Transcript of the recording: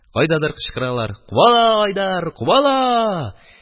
Кайдадыр кычкыралар: «Каула, Айдар, каула!»